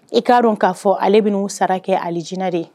I k'a dɔn k'a fɔ ale bɛ n uu saraka ali jinɛina de ye